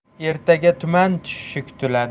ertaga tuman tushishi kutiladi